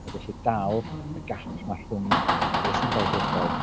A felly dal y gap 'na rhwng beth sy'n ddelfrydol.